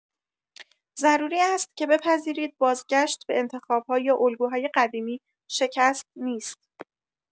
ضروری است که بپذیرید بازگشت به انتخاب‌ها یا الگوهای قدیمی شکست نیست.